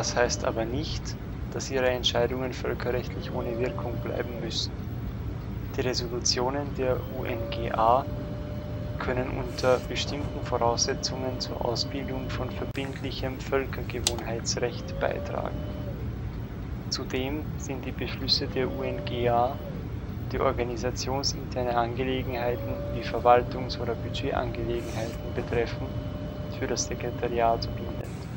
heißt aber nicht, dass ihre Entscheidungen völkerrechtlich ohne Wirkung bleiben müssen: Die Resolutionen der UNGA können unter bestimmten Voraussetzungen zur Ausbildung von verbindlichem Völkergewohnheitsrecht beitragen. Zudem sind die Beschlüsse der UNGA, die organisationsinterne Angelegenheiten wie Verwaltungs - oder Budgetangelegenheiten (Haushaltsplan) betreffen, für das Sekretariat bindend